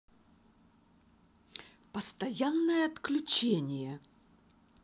постоянное отключение